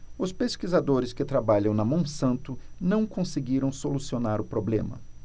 os pesquisadores que trabalham na monsanto não conseguiram solucionar o problema